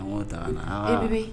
Taarabi